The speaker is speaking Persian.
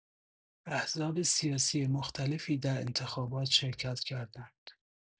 احزاب سیاسی مختلفی در انتخابات شرکت کردند.